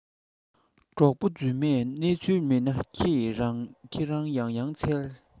གྲོགས པོ རྫུན མས གནས ཚུལ མེད ན ཁྱེད རང ཡང ཡང འཚལ